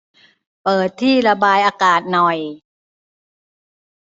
เปิดที่ระบายอากาศหน่อย